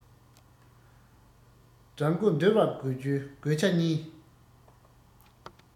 དགྲ མགོ འདུལ བར དགོས རྒྱུའི དགོས ཆ གཉིས